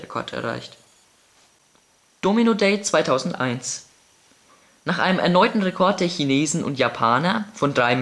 erreicht. Domino Day 2001 Nach einem erneuten Rekord der Chinesen und Japaner von 3.407.535